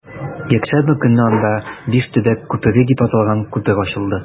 Якшәмбе көнне анда “Биш төбәк күпере” дип аталган күпер ачылды.